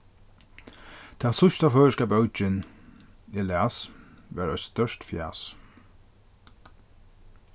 tað síðsta føroyska bókin eg las var eitt stórt fjas